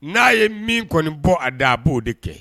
N'a ye min kɔni bɔ a da a b'o de kɛ